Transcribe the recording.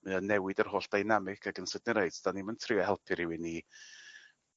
mae o'n newid yr holl dynamic ac yn sydyn reit 'dan ni'm yn trio helpu rywun i ...